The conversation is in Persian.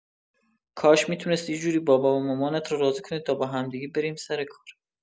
کاش می‌تونستی یه جوری بابا و مامانت رو راضی کنی تا با همدیگه بریم سر کار.